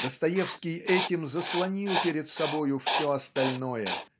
Достоевский этим заслонил перед собою все остальное